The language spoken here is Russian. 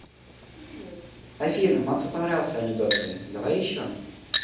афина максу понравился анекдот твой давай еще